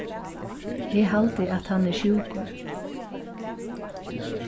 eg haldi at hann er sjúkur